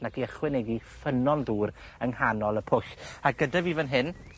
nac i ychwanegu ffynnon dŵr yn nghanol y pwll a gyda fi fan hyn